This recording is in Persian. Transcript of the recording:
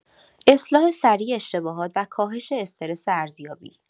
اصلاح سریع اشتباهات و کاهش استرس ارزیابی